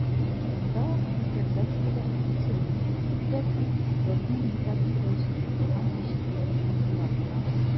Монда ук импровизацияле аттракцион - күрәсең, дотны имитацияләүче сыгылган тишекле бетон дивар тора.